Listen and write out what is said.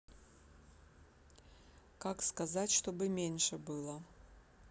как сказать чтобы меньше было